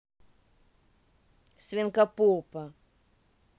свинка попа